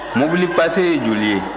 mobili passer ye joli ye